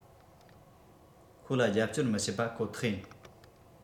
ཁོ ལ རྒྱབ སྐྱོར མི བྱེད པ ཁོ ཐག ཡིན